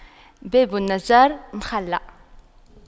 باب النجار مخَلَّع